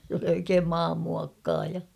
se oli oikein maanmuokkaaja